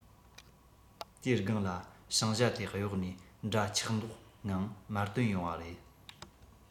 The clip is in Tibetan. དེའི སྒང ལ ཕྱིང ཞྭ དེ གཡོག ནས འདྲ ཆགས མདོག ངང མར དོན ཡོང བ རེད